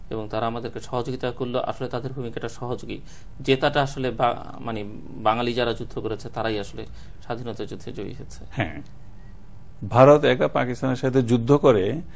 এবং তারা আমাদেরকে সহযোগিতা করলেও আসলে তাদের ভূমিকা টা সহযোগী জেতাটা আসলে মানে বাঙালি যারা যুদ্ধ করেছে তারাই আসলে স্বাধীনতা যুদ্ধে জয়ী হয়েছে হ্যাঁ ভারত একা পাকিস্তানের সাথে যুদ্ধ করে